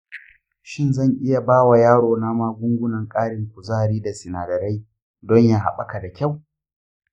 shin zan iya ba wa yarona magungunan ƙarin kuzari da sinadirai don ya haɓaka da kyau?